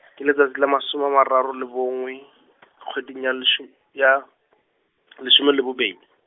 ke letsatsi la masoma a mararo le bongwe , kgweding ya lesho-, ya, lesome le bobedi.